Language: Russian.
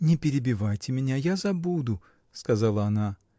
— Не перебивайте меня: я забуду, — сказала она.